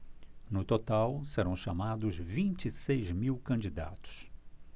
no total serão chamados vinte e seis mil candidatos